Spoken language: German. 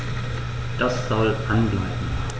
Das soll an bleiben.